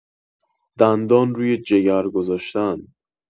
دندان روی جگر گذاشتن